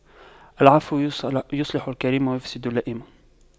العفو يصلح الكريم ويفسد اللئيم